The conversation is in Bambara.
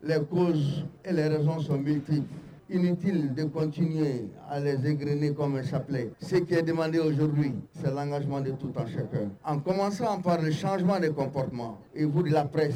Les causes et les raisons sont multiples, inutile de continuer à les égrainer comme un chapelet, ce qui est demandé aujourd'hui, c'est l'engagement de tout un chacun, en commençant de tout un chacun, et vous de la presse